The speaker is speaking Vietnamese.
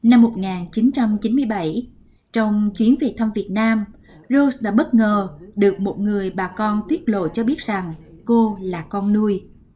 năm một ngàn chín trăm chín mươi bảy trong chuyến về thăm việt nam rô đã bất ngờ được một người bà con tiết lộ cho biết rằng cô là con nuôi